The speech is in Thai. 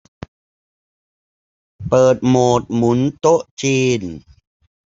เปิดโหมดหมุนโต๊ะจีน